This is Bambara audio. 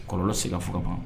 Kɔlɔlɔ se ka foro ban